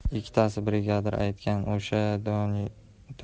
ikkitasi brigadir aytgan o'sha